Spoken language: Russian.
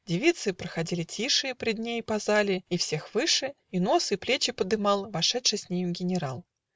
Девицы проходили тише Пред ней по зале, и всех выше И нос и плечи подымал Вошедший с нею генерал.